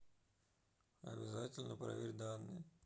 обязательно проверь данные